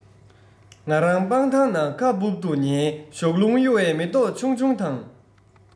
ང རང སྤང ཐང ན ཁ སྦུབ ཏུ ཉལ ཞོགས རླུང གཡོ བའི མེ ཏོག ཆུང ཆུང དང